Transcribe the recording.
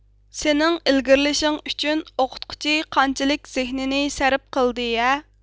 سېنىڭ ئىلگىرىلىشىڭ ئۈچۈن ئوقۇتقۇچى قانچىلىك زېھنىنى سەرپ قىلدى ھە